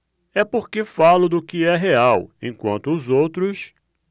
é porque falo do que é real enquanto os outros